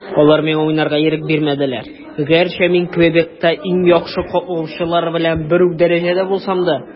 Алар миңа уйнарга ирек бирмәделәр, гәрчә мин Квебекта иң яхшы капкачылар белән бер үк дәрәҗәдә булсам да.